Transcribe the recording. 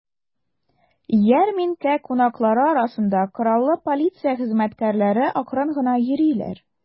Ярминкә кунаклары арасында кораллы полиция хезмәткәрләре акрын гына йөриләр.